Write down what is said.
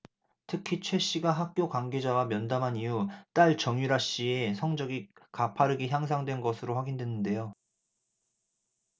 특히 최 씨가 학교 관계자와 면담한 이후 딸 정유라 씨의 성적이 가파르게 향상된 것으로 확인됐는데요